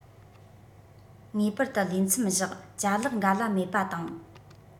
ངེས པར དུ ལས མཚམས བཞག ཅ ལག འགའ ལ མེད པ བཏང